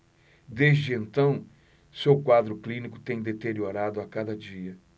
desde então seu quadro clínico tem deteriorado a cada dia